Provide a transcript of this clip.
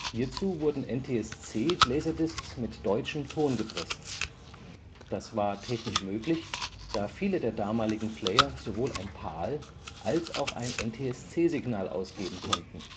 Hierzu wurden NTSC-Laserdiscs mit deutschem Ton gepresst. Das war technisch möglich, da viele der damaligen Player sowohl ein PAL -, als auch ein NTSC-Signal ausgeben konnten